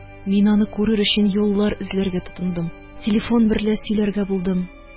Мин, аны күрер өчен, юллар эзләргә тотындым. Телефон берлә сөйләргә булдым.